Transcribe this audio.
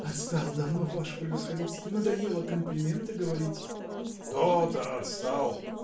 — Отстал давно, ваше превосходительство: надоело комплименты говорить. — То-то отстал!